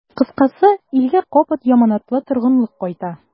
Кыскасы, илгә кабат яманатлы торгынлык кайта.